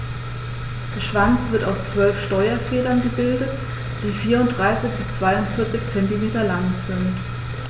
Der Schwanz wird aus 12 Steuerfedern gebildet, die 34 bis 42 cm lang sind.